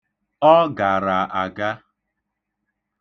Ọ gara aga.